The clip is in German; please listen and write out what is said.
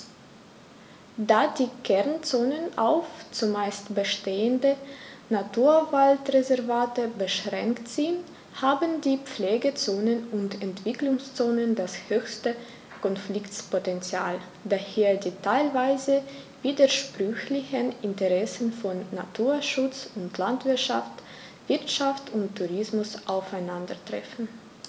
Da die Kernzonen auf – zumeist bestehende – Naturwaldreservate beschränkt sind, haben die Pflegezonen und Entwicklungszonen das höchste Konfliktpotential, da hier die teilweise widersprüchlichen Interessen von Naturschutz und Landwirtschaft, Wirtschaft und Tourismus aufeinandertreffen.